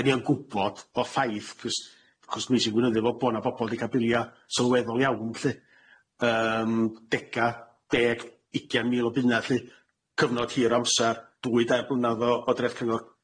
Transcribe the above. Dan ni yn gwbod o ffaith c'os c'os mi sy'n gweinyddu fo bo' na bobol di ca'l bilia sylweddol iawn lly yym, dega deg ugian mil o buna lly cyfnod hir o amsar dwy dair blynedd o o dreth cyngor,